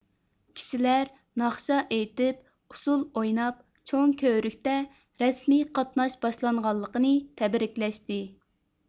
كىشىلەر ناخشا ئېيتىپ ئۇسسۇل ئويناپ چوڭ كۆۋرۈكتە رەسمىي قاتناش باشلانغانلىقىنى تەبرىكلەشتى